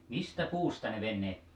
mistä puusta ne veneet